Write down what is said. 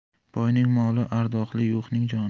boyning moli ardoqli yo'qning joni